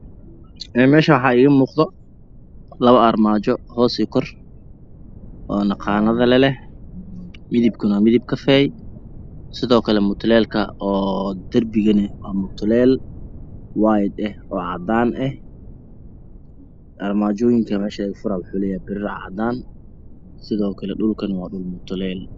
Eemeshan waxaa igamoqdoh laba armaajo hoos iyo kor oona qanadaleh midabkunah midkafeah sidokale mutuleelka oo darbiga waa mutuleel watah oocadaanah armaajoyinka mesha laga furaayohwaxauu leeyhy meel cadanah sidookle dhulkune waa dhul mutukeyl